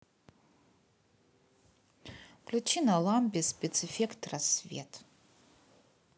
включи на лампе спецэффект рассвет